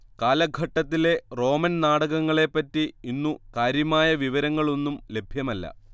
കാലഘട്ടത്തിലെ റോമൻ നാടകങ്ങളെപ്പറ്റി ഇന്നു കാര്യമായ വിവരങ്ങളൊന്നും ലഭ്യമല്ല